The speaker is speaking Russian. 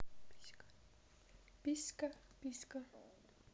писька писька